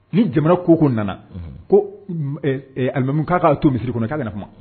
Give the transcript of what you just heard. Ni jamana ko ko nana ko bɛ k''a to misi siriri kɔnɔ k'a kana kuma